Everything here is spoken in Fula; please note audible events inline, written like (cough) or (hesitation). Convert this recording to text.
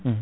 (hesitation) (hesitation)